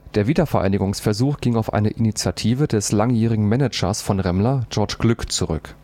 Der Wiedervereinigungsversuch ging auf eine Initiative des langjährigen Managers von Remmler (George Glück) zurück